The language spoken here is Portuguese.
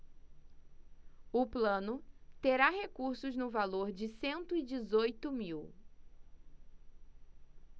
o plano terá recursos no valor de cento e dezoito mil